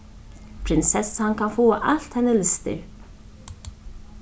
prinsessan kann fáa alt henni lystir